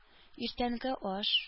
Иртәнге аш